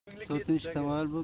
to'rtinchi tamoyil bu